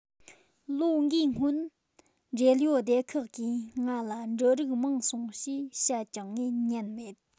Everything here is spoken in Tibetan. ལོ འགའི སྔོན འབྲེལ ཡོད སྡེ ཁག གིས ང ལ འབྲུ རིགས མང སོང ཞེས བཤད ཀྱང ངས ཉན མེད